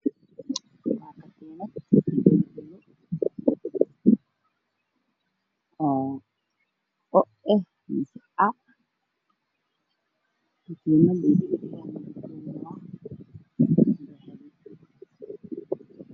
Waxaa ii muuqda midabkeedu yahay dahabi oo saaran kartoon madow waxaa ka hooseeyo ka tiinado dahabi ah